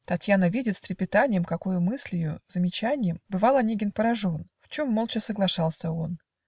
Татьяна видит с трепетаньем, Какою мыслью, замечаньем Бывал Онегин поражен, В чем молча соглашался он.